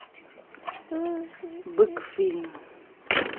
бык фильм